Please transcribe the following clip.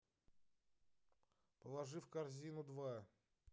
положи в корзину два